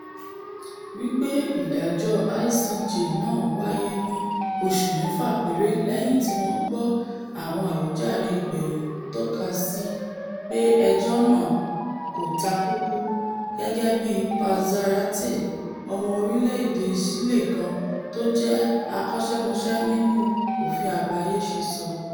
wí pé ìdájọ́ ICJ náà ńwáyé ní oṣù mẹ́fà péré lẹ́yìn tíwọ́n gbọ́ àwọn àwíjàre ìgbẹ̀yìn tọ́kasíi pé ẹjọ́ náà ''kò ta kókó’,- gẹgẹ bíi Paz Zárate, ọmọ orílẹ̀-èdè Ṣílè kan tójẹ́ akọ́ṣẹ́mọṣẹ́ nínú òfin àgbáyé ṣe sọ.